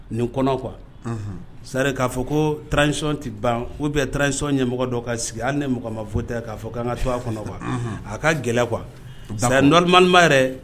Nin kɔnɔ qu sari k'a fɔ ko taraweleranc tɛ ban o bɛ trancɔn ye mɔgɔ dɔ ka sigi hali ni mɔgɔ ma fɔ tɛ k'a fɔ k' kan ka to a kɔnɔ qu a ka gɛlɛ qu sariya ninba yɛrɛ